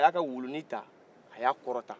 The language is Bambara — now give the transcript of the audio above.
a y'a ka wulunin ta a y'a kɔrɔta